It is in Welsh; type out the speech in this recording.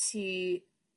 ti